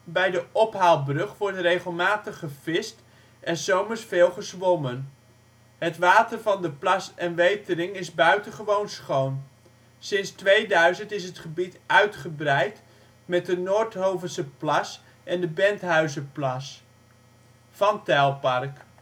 Bij de ophaalbrug wordt regelmatig gevist en ' s zomers veel gezwommen. Het water van plas en wetering is buitengewoon schoon. Sinds 2000 is het gebied uitgebreid met de Noordhovense plas en de Benthuizer plas. Het van Tuyllpark